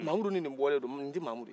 mahamudu ni nin bɔlen do ni tɛ mahamudu ye